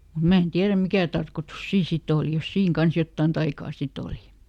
mutta minä en tiedä mikä tarkoitus siinä sitten oli jos siinä kanssa jotakin taikaa sitten oli